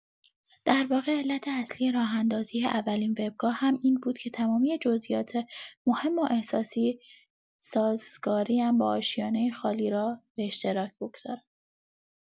در واقع علت اصلی راه‌اندازی اولین وبگاهم این بود که تمامی جزئیات مهم و احساسی سازگاری‌ام با آشیانه خالی را به اشتراک بگذارم.